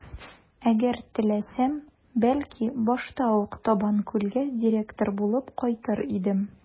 Әгәр теләсәм, бәлки, башта ук Табанкүлгә директор булып кайтыр идем.